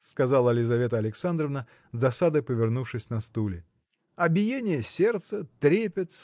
– сказала Лизавета Александровна, с досадой повернувшись на стуле. – А биение сердца трепет